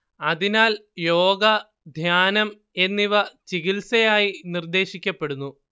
അതിനാൽ യോഗ ധ്യാനം എന്നിവ ചികിത്സയായി നിർദ്ദേശിക്കപ്പെടുന്നു